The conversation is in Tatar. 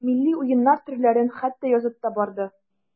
Милли уеннар төрләрен хәтта язып та барды.